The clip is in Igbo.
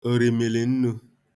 òrìmìlì nnū